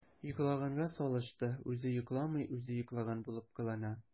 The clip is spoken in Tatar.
“йоклаганга салышты” – үзе йокламый, үзе йоклаган булып кылана.